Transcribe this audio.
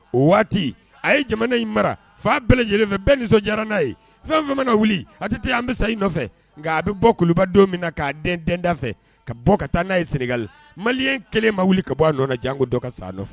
O waati a ye jamana in mara fa a bɛɛ lajɛlenfɛ bɛɛ nisɔndi n'a ye fɛn fɛn wuli a tɛ an bɛ sa in nɔfɛ nka a bɛ bɔ kuluba don min na k'a den denda fɛ ka bɔ ka taa n'a ye sengali mali ye kelen ma wuli ka bɔ a nɔ jan ko dɔ ka sa a nɔfɛ